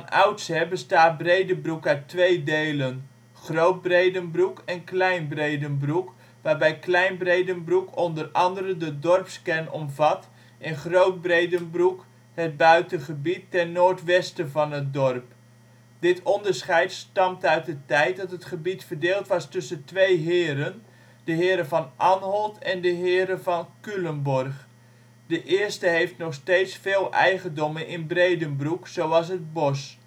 oudsher bestaat Breedenbroek uit twee delen: Groot-Breedenbroek en Klein-Breedenbroek, waarbij Klein-Breedenbroek onder andere de dorpskern omvat en Groot-Breedenbroek het buitengebied ten noord-westen van het dorp. Dit onderscheid stamt uit de tijd dat het gebied verdeeld was tussen twee heren, de heren van Anholt en de heren van Culemborg. De eerste heeft nog steeds veel eigendommen in Breedenbroek, zoals het bos